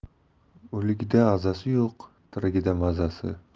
o'ligida azasi yo'q tirigida mazasi